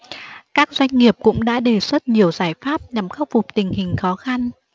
các doanh nghiệp cũng đã đề xuất nhiều giải pháp nhằm khắc phục tình hình khó khăn